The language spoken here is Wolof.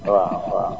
waaw waaw